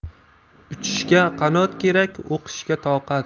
uchishga qanot kerak o'qishga toqat